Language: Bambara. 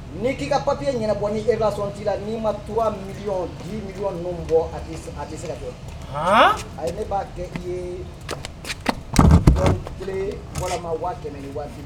N'i k'i ka papiye ɲɛna bɔ n'i e ka sɔn ci la ni'i ma tu mi mi ninnu bɔ a tɛse ka jɔ a ye ne b'a kɛ i ye kelen walima ma waati kɛnɛ waati